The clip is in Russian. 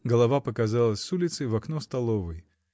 Голова показалась с улицы в окно столовой.